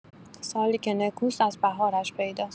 سالی که نکوست از بهارش پیداست!